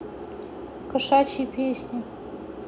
кошачьи песни